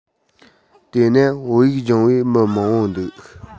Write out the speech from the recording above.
དེས ན བོད ཡིག སྦྱོང བའི མི མང པོ འདུག